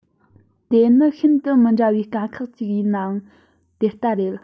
དེ ནི ཤིན ཏུ མི འདྲ བའི དཀའ ཁག ཅིག ཡིན ནའང དེ ལྟ རེད